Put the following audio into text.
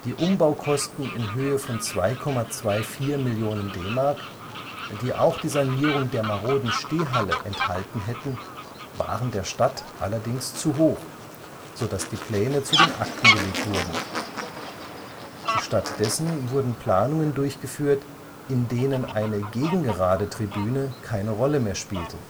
Umbaukosten in Höhe von 2,24 Millionen DM, die auch die Sanierung der maroden Stehhalle enthalten hätten, waren der Stadt allerdings zu hoch, so dass die Pläne zu den Akten gelegt wurden. Stattdessen wurden Planungen durchgeführt, in denen eine Gegengeradetribüne keine Rolle mehr spielte